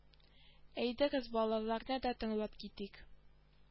Әйдәгез балаларны да тыңлап китик